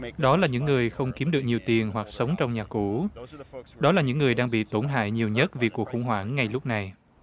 đó là những người không kiếm được nhiều tiền hoặc sống trong nhà cũ đó là những người đang bị tổn hại nhiều nhất vì cuộc khủng hoảng ngay lúc này